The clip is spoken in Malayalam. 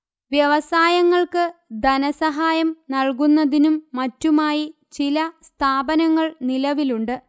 വ്യവസായങ്ങൾക്ക് ധനസഹായം നല്കുന്നതിനും മറ്റുമായി ചില സ്ഥാപനങ്ങൾ നിലവിലുണ്ട്